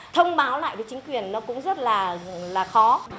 thông báo lại với chính quyền nó cũng rất là là khó